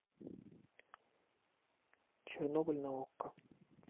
чернобыль на окко